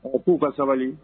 Mɔgɔ k'u ka sabali